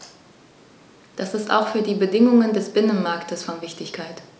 Das ist auch für die Bedingungen des Binnenmarktes von Wichtigkeit.